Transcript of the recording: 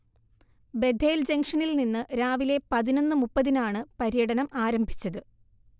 Bethel ജങ്ഷനിൽനിന്ന് രാവിലെ പതിനൊന്നു മുപ്പത്തിനാണ് പര്യടനം ആരംഭിച്ചത്